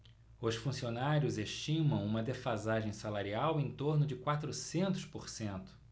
os funcionários estimam uma defasagem salarial em torno de quatrocentos por cento